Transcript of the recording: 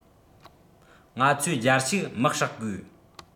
ང ཚོས རྒྱལ ཕྱུག དམག ཧྲག དགོས